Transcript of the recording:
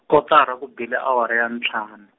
kotara ku bile awara ya ntlhanu.